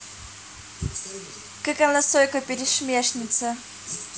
как она сойка пересмешница